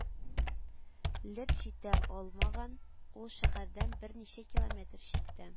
Леп җитә алмаган, ул шәһәрдән берничә километр читтә